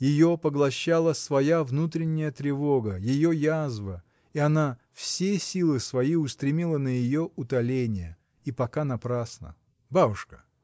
Ее поглощала своя внутренняя тревога, ее язва — и она все силы свои устремила на ее утоление, и пока напрасно. — Бабушка!